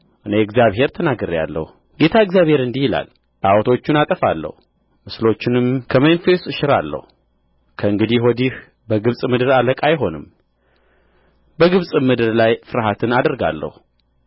እኔ እግዚአብሔር ተናግሬያለሁ ጌታ እግዚአብሔር እንዲህ ይላል ጣዖቶቹን አጠፋለሁ ምስሎችንም ከሜምፎስ እሽራለሁ ከእንግዲህ ወዲያ በግብጽ ምድር አለቃ አይሆንም በግብጽም ምድር ላይ ፍርሃትን አደርጋለሁ